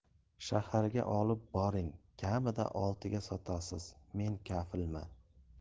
shaharga olib boring kamida oltiga sotasiz men kafilman